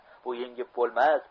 bu yengib bo'lmas